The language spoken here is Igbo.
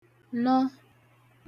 nọ